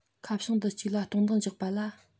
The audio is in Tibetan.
ཁ བྱང འདི གཅིག ལ སྟོང འདང རྒྱག པ ལ